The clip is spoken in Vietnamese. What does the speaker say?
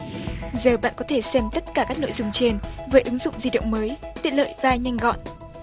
giờ bạn có thể xem tất cả các nội dung trên với ứng dụng di động mới tiện lợi và nhanh gọn